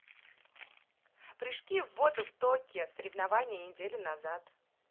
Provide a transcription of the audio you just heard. прыжки в воду в токио соревнования неделю назад